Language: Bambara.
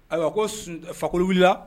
Ayiwa ko fakoli wulila